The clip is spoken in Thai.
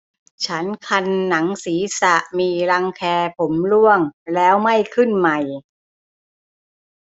ฉันคันหนังศีรษะมีรังแคผมร่วงแล้วไม่ขึ้นใหม่